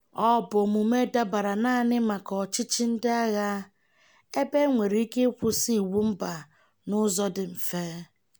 Ọ bụ omume dabara naanị maka ọchịchị ndị agha, ebe e nwere ike ịkwụsị iwu mba n'ụzọ dị mfe..